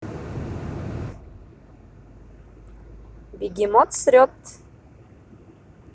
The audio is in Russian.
бегемот срет